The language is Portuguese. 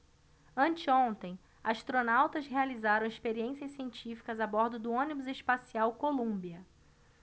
anteontem astronautas realizaram experiências científicas a bordo do ônibus espacial columbia